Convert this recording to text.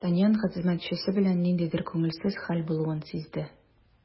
Д’Артаньян хезмәтчесе белән ниндидер күңелсез хәл булуын сизде.